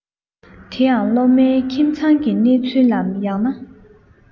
དེ ཡང སློབ མའི ཁྱིམ ཚང གི གནས ཚུལ ལམ ཡང ན